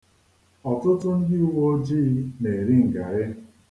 Ọtụtụ ndị uweojii na-eri ngarị.